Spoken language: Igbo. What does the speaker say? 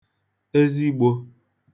ezigbō